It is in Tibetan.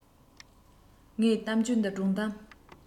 ངའི གཏམ རྒྱུད འདི སྒྲུང གཏམ